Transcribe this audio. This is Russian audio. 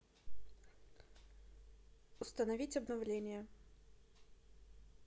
установить обновление